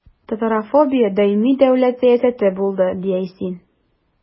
Татарофобия даими дәүләт сәясәте булды, – ди Айсин.